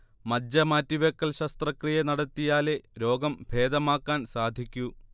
മജ്ജ മാറ്റിവെക്കൽ ശസ്ത്രക്രിയ നടത്തിയാലേ രോഗംഭേദമാക്കാൻ സാധിക്കൂ